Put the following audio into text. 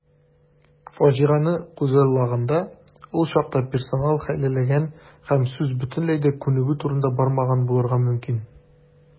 Фаҗигане күзаллаганда, ул чакта персонал хәйләләгән һәм сүз бөтенләй дә күнегү турында бармаган булырга мөмкин.